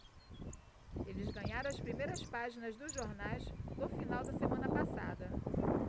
eles ganharam as primeiras páginas dos jornais do final da semana passada